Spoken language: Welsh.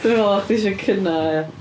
Dwi'n meddwl bo' chdi isio cynnau oedd?